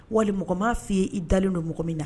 Wali mɔgɔ ma f'i i dalen don mɔgɔ min na